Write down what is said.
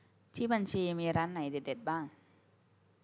ที่บัญชีมีร้านไหนเด็ดเด็ดบ้าง